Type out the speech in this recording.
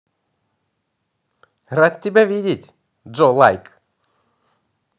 рад тебя видеть джой лайк